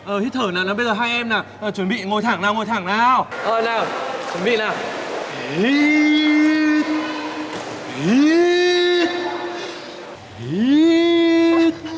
ờ hít thở nào nào bây giờ hai em nào chuẩn bị ngồi thẳng nào ngồi thẳng nào ờ nào chuẩn bị nào hít hít hít hít